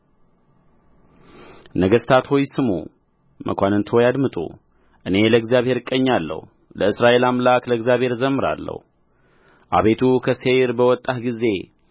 ነገሥታት ሆይ ስሙ መኳንንት ሆይ አድምጡ እኔ ለእግዚአብሔር እቀኛለሁ ለእስራኤል አምላክ ለእግዚአብሔር እዘምራለሁ አቤቱ ከሴይር በወጣህ ጊዜ